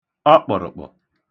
ọkpə̣̀rə̣̀kpə̣̀